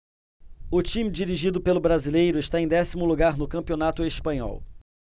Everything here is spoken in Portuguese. o time dirigido pelo brasileiro está em décimo lugar no campeonato espanhol